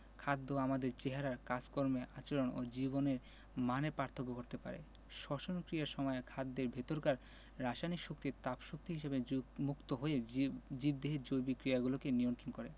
খাদ্য আমাদের চেহারায় কাজকর্মে আচরণে ও জীবনের মানে পার্থক্য ঘটাতে পারে শ্বসন ক্রিয়ার সময় খাদ্যের ভেতরকার রাসায়নিক শক্তি তাপ শক্তি হিসেবে মুক্ত হয়ে জীবদেহের জৈবিক ক্রিয়াগুলোকে নিয়ন্ত্রন করে